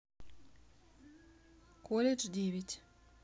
колледж девять